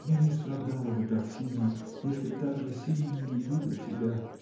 Я не страдала бы так сильно, если б так же сильно не любила тебя!